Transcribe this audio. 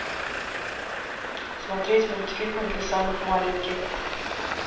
смотреть мультфильмы для самых маленьких